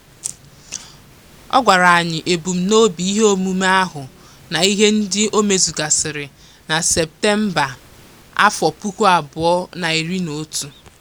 Ọ gwara anyị ebumnobi ihe omume ahụ na ihe ndị o mezugasịrị na Septemba 2011.